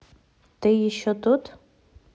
ты еще тут